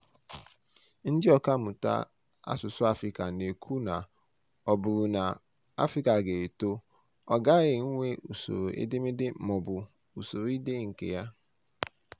Ndị ọkà mmụta asụsụ Afrịca na-ekwu na ọ bụrụ na Afrịca ga-eto, ọ ghaghị inwe usoro edemede ma ọ bụ usoro ide ihe nke ya.